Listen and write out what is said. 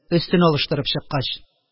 Өстен алыштырып чыккач